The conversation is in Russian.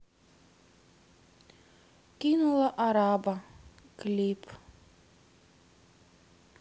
кинула араба клип